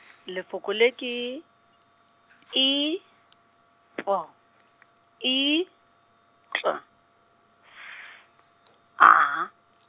lefoko le ke, I P I T S A.